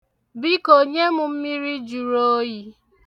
Biko, nye m mmiri jụrụ oyi.